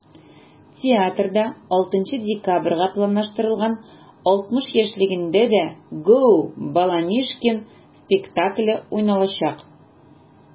Театрда 6 декабрьгә планлаштырылган 60 яшьлегендә дә “Gо!Баламишкин" спектакле уйналачак.